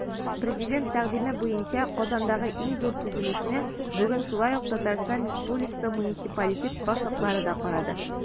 Президент тәкъдиме буенча Казандагы иң зур төзелешне бүген шулай ук ТР муниципалитет башлыклары да карады.